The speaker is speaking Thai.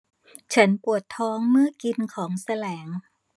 ฉันปวดท้องเมื่อกินของแสลง